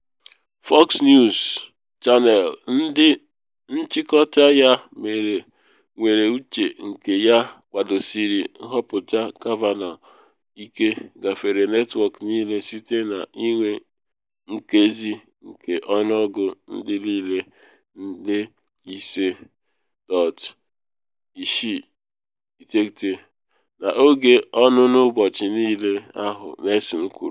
Fox News Channel, ndị nchịkọta ya nwere uche nke ya kwadosiri nhọpụta Kavanaugh ike, gafere netwọk niile site na ịnwe nkezi nke ọnụọgụ ndị nlele nde 5.69 n’oge ọnụnụ ụbọchị-niile ahụ, Nielsen kwuru.